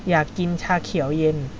อยากกินชาเขียวเย็น